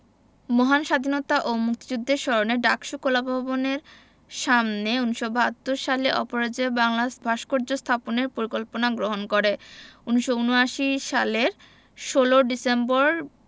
মহান স্বাধীনতা ও মুক্তিযুদ্ধের স্মরণে ডাকসু কলাভবনের সামনে ১৯৭২ সালে অপরাজেয় বাংলা ভাস্কর্য স্থাপনের পরিকল্পনা গ্রহণ করে ১৯৭৯ সালের ১৬ ডিসেম্বর